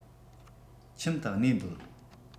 ཁྱིམ དུ གནས འདོད